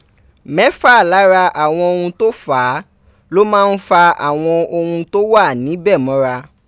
Mẹ́fà lára àwọn ohun tó fà á, ló máa ń fa àwọn ohun tó wà níbẹ̀ mọ́ra..